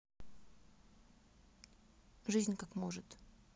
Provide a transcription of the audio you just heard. жизнь как может